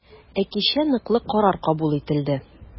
Ә кичә ныклы карар кабул ителде.